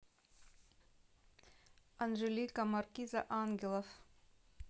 анжелика маркиза ангелов